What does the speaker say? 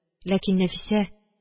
Ләкин нәфисә: